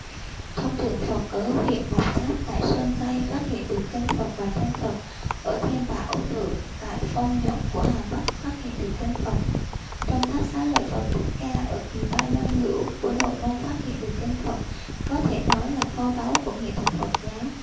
trong tượng phật ở ứng huyện mộc tháp tại sơn tây phát hiện được kinh phật và tranh phật ở thiên bảo tự tại phong nhuận của hà bắc phát hiện được kinh phật trong tháp xá lợi phật thích ca ở kỳ ba lâm hữu của nội mông phát hiện được kinh phật có thể nói là kho báu của nghệ thuật phật giáo